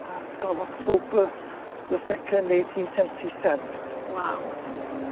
Argol. October the second eighteen seventy seven. Waw.